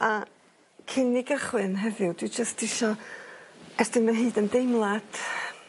A cyn ni gychwyn heddiw dwi jyst isio estyn 'yn nghydymdeimlad